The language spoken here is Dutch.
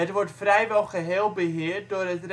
wordt vrijwel geheel beheerd door het